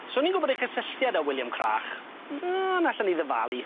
So ni'n gwbod ei chysylltiad â William Crach on' allwn ni ddyfalu.